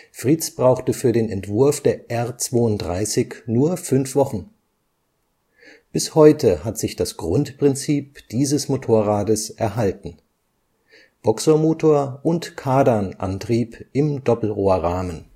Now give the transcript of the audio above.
Friz brauchte für den Entwurf der R 32 nur fünf Wochen. Bis heute hat sich das Grundprinzip dieses Motorrades erhalten: Boxermotor und Kardanantrieb im Doppelrohrrahmen